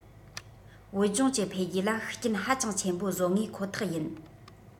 བོད ལྗོངས ཀྱི འཕེལ རྒྱས ལ ཤུགས རྐྱེན ཧ ཅང ཆེན པོ བཟོ ངེས ཁོ ཐག ཡིན